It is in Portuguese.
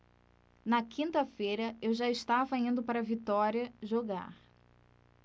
na quinta-feira eu já estava indo para vitória jogar